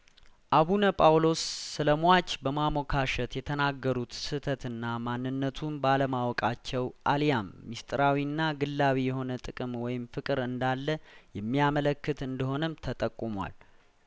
አቡነ ጳውሎስ ስለሟች በማሞካሸት የተናገሩት ስህተትና ማንነቱን ባለማወቃቸው አልያም ምስጢራዊና ግላዊ የሆነ ጥቅም ወይም ፍቅር እንዳለየሚ ያመለክት እንደሆነም ተጠቁሟል